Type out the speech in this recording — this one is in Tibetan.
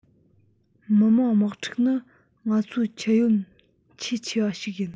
མི དམངས དམག འཁྲུག ནི ང ཚོའི ཁྱད ཡོན ཆེས ཆེ བ ཞིག ཡིན